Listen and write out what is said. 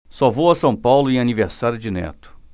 só vou a são paulo em aniversário de neto